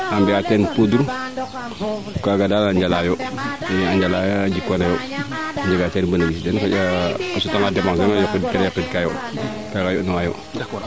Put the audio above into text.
a mbiyaa teen poudre kaaga daal a njalaayo njalaa a njik wanoyo a jgaa teen benefice :far den a suta nga depense kede yoqind kaayo kaa yond nuwaa yo